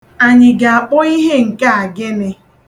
Anyị ga-akpọ ihe nke a gịnị?